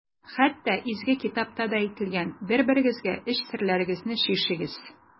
Хәтта Изге китапта да әйтелгән: «Бер-берегезгә эч серләрегезне чишегез».